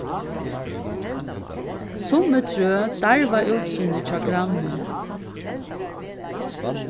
summi trø darva útsýnið hjá grannum